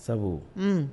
Sabu Unhun